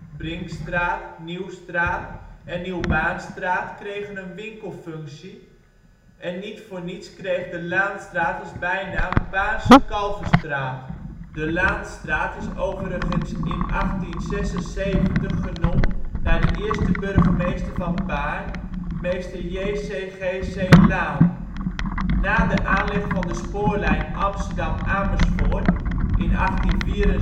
Brinkstraat, Nieuwstraat en Nieuw Baarnstraat kregen een winkelfunctie en niet voor niets kreeg de Laanstraat als bijnaam: Baarnse Kalverstraat. De Laanstraat is overigens in 1876 genoemd naar de eerste burgemeester van Baarn, mr. J.C.G.C. Laan. Na de aanleg van de spoorlijn Amsterdam-Amersfoort in 1874